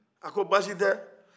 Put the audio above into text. a ko basitɛ